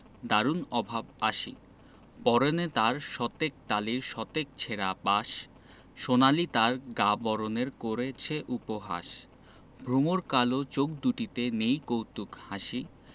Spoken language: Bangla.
দারুণ অভাব আসি পরনে তার শতেক তালির শতেক ছেঁড়া বাস সোনালি তার গা বরণের করছে উপহাস ভমর কালো চোখ দুটিতে নেই কৌতুক হাসি